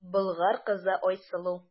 Болгар кызы Айсылу.